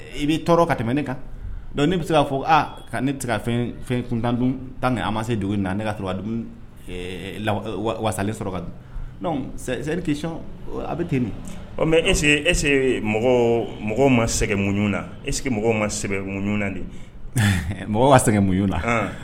I b'i tɔɔrɔ ka tɛmɛ ne kan ne bɛ se k'a fɔ ne se ka fɛn fɛn kuntan dun tan an ma se dugu na ne ka to wasa sɔrɔ ka seli tɛc a bɛ ten nin mɛ e ese mɔgɔ mɔgɔ ma sɛgɛn muɲan ese mɔgɔw ma sɛ muɲan de mɔgɔ ka sɛgɛn muɲ na